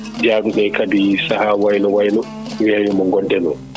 jaaduɗo kadi sahaa waylo waylo weeyo mo gonɗen o